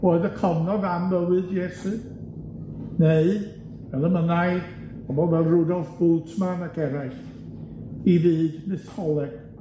oedd y cofnod am fywyd Iesu, neu fel y mynnai pobol fel Rudolf Bultmann ac eraill, i fyd mytholeg?